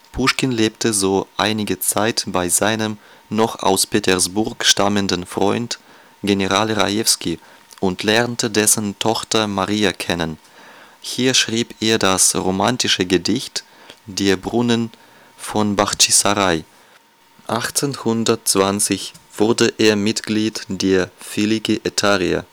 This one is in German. Puschkin lebte so einige Zeit bei seinem noch aus Petersburg stammenden Freund General Rajewski und lernte dessen Tochter Maria kennen. Hier schrieb er das romantische Gedicht „ Der Brunnen von Bachtschissaraj “. 1820 wurde er Mitglied der Philiki Etaireia